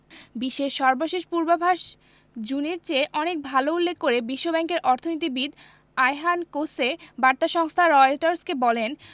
বিশ্বের সর্বশেষ পূর্বাভাস জুনের চেয়ে অনেক ভালো উল্লেখ করে বিশ্বব্যাংকের অর্থনীতিবিদ আয়হান কোসে বার্তা সংস্থা রয়টার্সকে বলেন